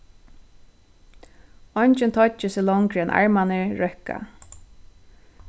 eingin toyggir seg longri enn armarnir røkka